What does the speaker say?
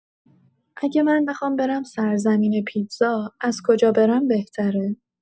اگه من بخوام برم سرزمین پیتزا، از کجا برم بهتره؟